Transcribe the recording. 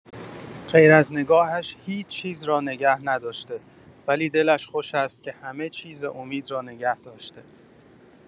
غیراز نگاهش، هیچ‌چیز را نگه نداشته، ولی دلش خوش است که همه‌چیز امید را نگه داشته.